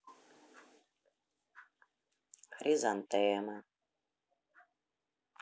хризантемы